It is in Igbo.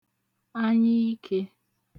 anyiikē